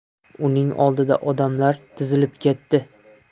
uning oldida odamlar tizilib ketdi